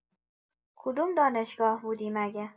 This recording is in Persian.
کدوم دانشگاه بودی مگه؟